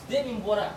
Den min bɔra